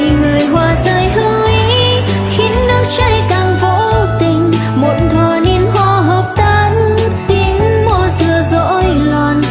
vì người hoa rơi hữu ý khiến nước chảy càng vô tình một thưở hoa niên hợp tan tiếng mõ xưa rối loạn